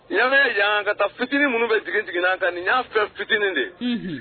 Yanmɛ yan ka taa fitinin minnu bɛ jigin tigɛna kan nin' fɛ fitinin de